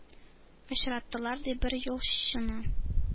Очраттылар, ди, бер юлчыны.